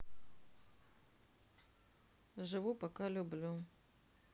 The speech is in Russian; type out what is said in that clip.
живу пока люблю